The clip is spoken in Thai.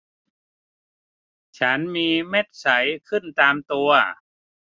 ฉันมีเม็ดใสขึ้นตามตัว